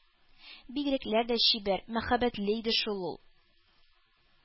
Бигрәкләр дә чибәр, мәхәббәтле иде шул ул!